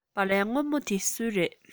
སྦ ལན སྔོན པོ འདི སུའི རེད